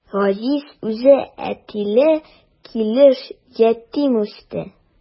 Газиз үзе әтиле килеш ятим үсте.